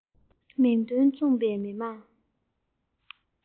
མིང དོན མཚུངས པའི མི དམངས